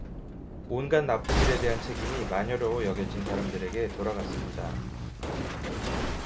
온갖 나쁜 일에 대한 책임이 마녀로 여겨진 사람들에게 돌아갔습니다